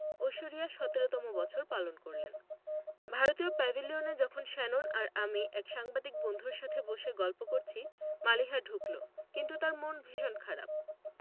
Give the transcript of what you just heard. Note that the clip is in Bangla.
ঐশ্বরিয়া ১৭তম বছর পালন করলেন ভারতীয় প্যাভিলিয়নে যখন শ্যানন আর আমি এক সাংবাদিক বন্ধুর সাথে বসে গল্প করছি মালিহা ঢুকলো কিন্তু তার মন ভীষণ খারাপ